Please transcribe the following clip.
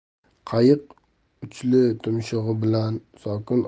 qayiq uchli tumshug'i bilan sokin